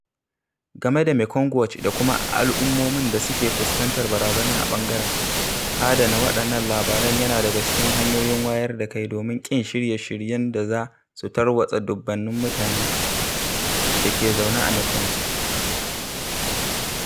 Game da Mekong Watch da kuma al'ummomin da suke fuskantar barazana a ɓangaren, adana waɗannan labaran yana daga cikin hanyoyin wayar da kai domin ƙin shirye-shiryen da za su tarwatsa dubunnan mutanen da ke zaune a Mekong: